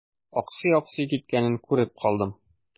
Аксый-аксый киткәнен күреп калдым.